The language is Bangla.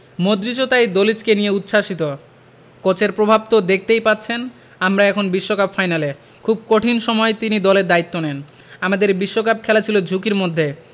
মডরিচও তাই দলিচকে নিয়ে উচ্ছ্বসিত কোচের প্র্রভাব তো দেখতেই পাচ্ছেন আমরা এখন বিশ্বকাপ ফাইনালে খুব কঠিন সময়ে তিনি দলের দায়িত্ব নেন আমাদের বিশ্বকাপ খেলা ছিল ঝুঁকির মধ্যে